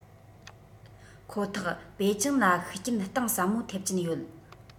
ཁོ ཐག པེ ཅིང ལ ཤུགས རྐྱེན གཏིང ཟབ མོ ཐེབས ཀྱིན ཡོད